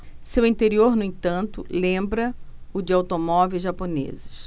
seu interior no entanto lembra o de automóveis japoneses